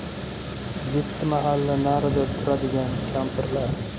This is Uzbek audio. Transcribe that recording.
yetti mahalla narida turadigan kampirlar